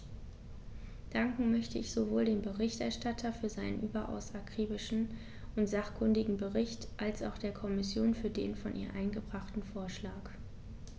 Danken möchte ich sowohl dem Berichterstatter für seinen überaus akribischen und sachkundigen Bericht als auch der Kommission für den von ihr eingebrachten Vorschlag.